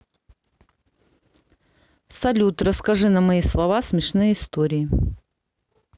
салют расскажи на мои слова смешные истории